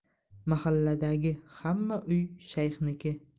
mahalladagi hamma uy shayxniki